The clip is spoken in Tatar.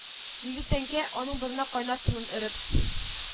Диде тәңкә, аның борынына кайнар тынын өреп